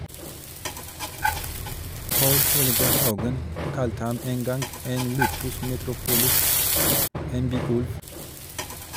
Paal Helge Haugen kalte ham en gang en lupus metropolis, en byulv.